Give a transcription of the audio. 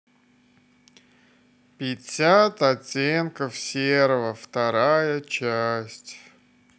пятьдесят оттенков серого вторая часть